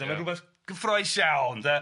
Dyma rywbeth gyffrous iawn de.